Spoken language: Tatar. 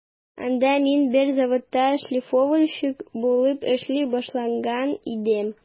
Анда мин бер заводта шлифовальщик булып эшли башлаган идем.